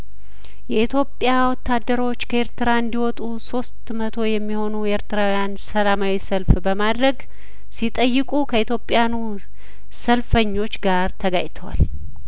የኢትዮጵያ ወታደሮች ከኤርትራ እንዲወጡ ሶስት መቶ የሚሆኑ ኤርትራውያን ሰላማዊ ሰልፍ በማድረግ ሲጠይቁ ከኢትዮጵያኑ ሰለፈኞች ጋር ተጋጭተዋል